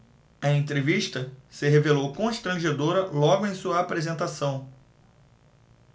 a entrevista se revelou constrangedora logo em sua apresentação